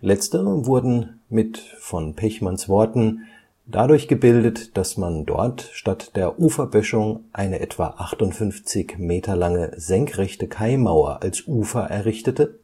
Letztere wurden mit von Pechmanns Worten „ dadurch gebildet, dass man dort statt der Uferböschung eine etwa 58 m lange senkrechte Kaimauer als Ufer errichtete,